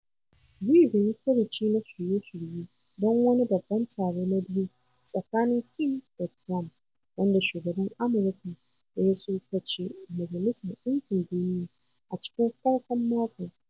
Ri bai yi furuci na shirye-shirye don wani babban taro na biyu tsakanin Kim da Trump wanda shugaban Amurka da ya tsokaci a Majalisar Ɗinkin Duniya a cikin farkon makon.